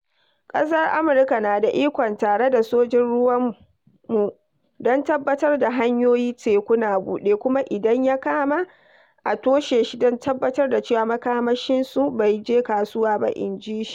"Ƙasar Amurka na da ikon, tare da sojin ruwanmu, don tabbatar da hanyoyi teku na buɗe, kuma, idan ya kama, a tushe shi, don tabbatar da cewa makamashi su bai je kasuwa ba," in ji shi.